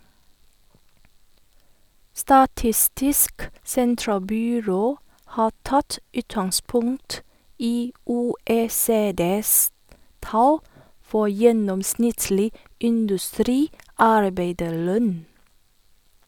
Statistisk sentralbyrå har tatt utgangspunkt i OECDs tall for gjennomsnittlig industriarbeiderlønn.